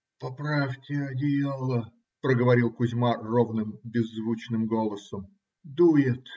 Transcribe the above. - Поправьте одеяло, - проговорил Кузьма ровным, беззвучным голосом. - Дует.